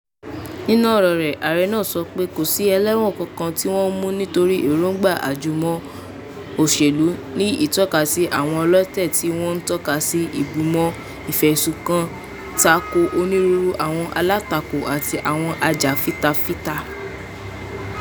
Nínú ọ̀rọ̀ rẹ̀, ààrẹ náà sọ pé "kò sì ẹlẹ́wọ̀n kankan tí wọ́n mú nítorí èróńgbà ajẹmọ́ òṣèlú," ní ìtọ́kasí àwọn ọlọ́tẹ̀ tí wọ́n ń tọ́ka sí ìbùmọ́ ìfẹ̀sùnkàn tako ònírúurú àwọn alátakò àti àwọn ajàfitafita.